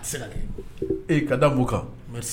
Ka da mun kan